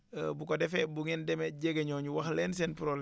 bu ko defee bu ngeen demee jege ñooñu ñu wax leen seen problème